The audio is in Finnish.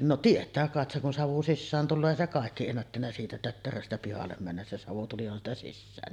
no tietää kai sen kun savu sisään tulee ei se kaikki ennättänyt siitä tötteröstä pihalle mennä se savu tulihan sitä sisäänkin